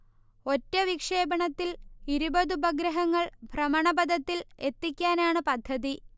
ഒറ്റ വിക്ഷേപണത്തിൽ ഇരുപത് ഉപഗ്രഹങ്ങൾ ഭ്രമണപഥത്തിൽ എത്തിക്കാനാണ് പദ്ധതി